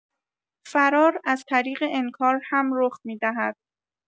فرار از طریق انکار هم رخ می‌دهد.